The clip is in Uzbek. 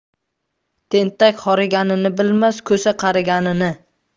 tentak horiganini bilmas ko'sa qariganini